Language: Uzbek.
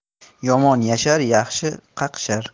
yomon yashar yaxshi qaqshar